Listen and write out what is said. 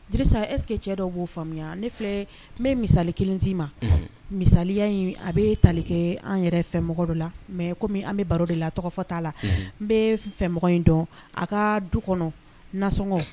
Dirisa est ce que cɛ dɔw b'o faamuya ne filɛ n be misali 1 d'i ma unhun misaliya in a bee tali kɛɛ an' yɛrɛ fɛmɔgɔ dɔ la mais comme an bɛ baro de la tɔgɔfɔ t'a la unhun n bee f fɛmɔgɔ in dɔn a kaa du kɔnɔ nasɔŋɔ